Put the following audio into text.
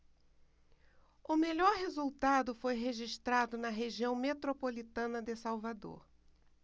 o melhor resultado foi registrado na região metropolitana de salvador